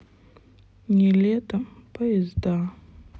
нилетто поезда